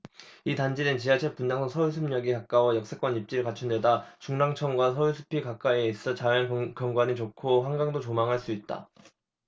이 단지는 지하철 분당선 서울숲역이 가까워 역세권 입지를 갖춘 데다 중랑천과 서울숲이 가까이에 있어 자연경관이 좋고 한강도 조망할 수 있다